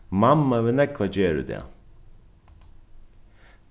mamma hevur nógv at gera í dag